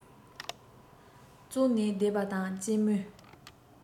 ཙོག ནས བསྡད པ དང གཅེན མོས